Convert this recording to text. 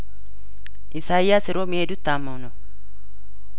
ኢሳያስ ሮም የሄዱት ታመው ነው